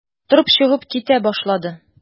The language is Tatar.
Торып чыгып китә башлады.